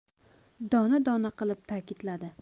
dona dona qilib ta'kidladi